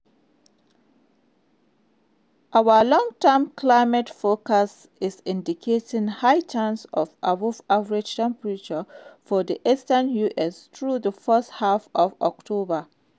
Our long term climate forecast is indicating high chances for above-average temperatures for the eastern U.S. through the first half of October.